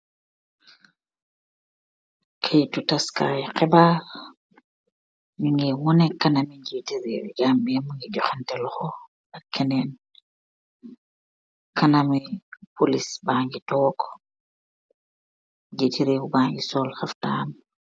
Keeiitu tass kaii khibarr, nju ngeh woneh kanami njjiiti rewi Gambia mungy jokhanteh lokho ak kenen, kanami police bangy tok, njjiti rew bangy sol khaftan.